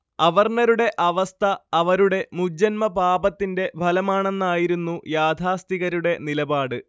അവർണ്ണരുടെ അവസ്ഥ അവരുടെ മുജ്ജന്മപാപത്തിന്റെ ഫലമാണെന്നായിരുന്നു യാഥാസ്ഥികരുടെ നിലപാട്